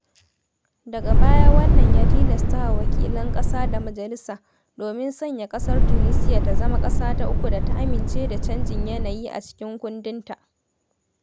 Daga baya wannan ya tilasta wa wakilan ƙasa da majalisa domin sanya ƙasar Tunisiya zama ƙasa ta uku da ta amince da canjin yanayi a cikin kundinta.